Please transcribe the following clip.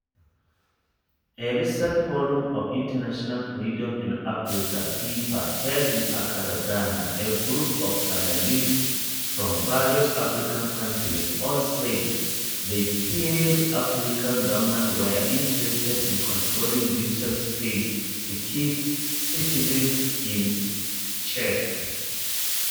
At the recent Forum of Internet Freedom in Africa (FIFA) held in Accra, Ghana, a group of panelists from various African countries all said they feared African governments were interested in controlling digital space to keep citizens in check.